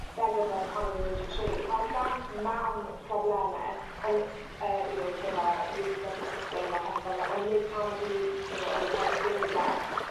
delio 'dy pan o'n i'n un de' tri a o'dd gan mam probleme on' yy you know gyda reproductive system a pethe fel 'na on' nid tan o'dd hi you know yn ei pedwar dege